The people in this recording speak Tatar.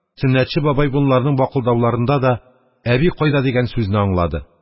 Сөннәтче бабай бунларның бакылдауларында да «әби кайда?» дигән сүзне аңлады.